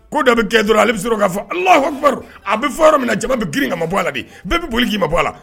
Ko dɔ bi kɛ dɔrɔn, ale bi sɔrɔ ka fɔ ok Alahu akibaru. A bi fɔ yɔrɔ min na jama bɛ girin ka ma bɔ a la de .bɛɛ bɛ boli ki mabɔ a la.